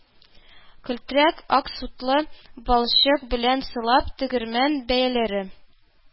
Келтрәк ак сутлы балчык белән сылап, тегермән бөяләре